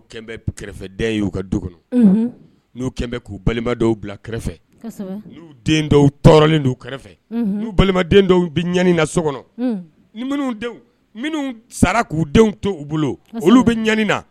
Kɛrɛfɛ ye uu ka du kɔnɔ n'u k'u balima dɔw bila kɛrɛfɛ n den dɔw tɔɔrɔlen don kɛrɛfɛ nu balima dɔw bɛ ɲani na so kɔnɔ ni minnu denw minnu sara k'u denw to u bolo olu bɛ ɲ na